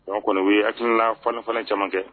O kɔni ye akiina fan fana caman kɛ